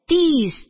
Тиз